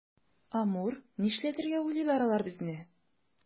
Амур, нишләтергә уйлыйлар алар безне?